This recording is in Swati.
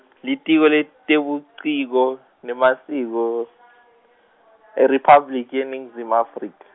Litiko letebuciko nemaSiko, IRiphabliki yeNingizimu Afrika.